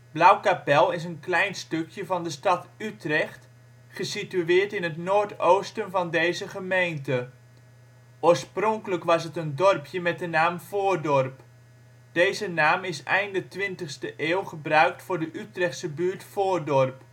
Blauwkapel is een klein stukje van de stad Utrecht, gesitueerd in het noordoosten van deze gemeente. Oorspronkelijk was het een dorpje met de naam Voordorp. Deze naam is einde 20e eeuw gebruikt voor de Utrechtse buurt Voordorp